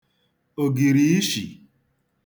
ògìrìishì